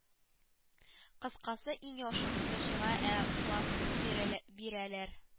Кыскасы иң яхшы укытучыга а классын бире бирәләр